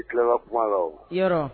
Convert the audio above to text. I tilala kumalaw h